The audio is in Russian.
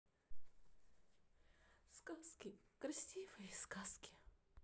сказки красивые сказки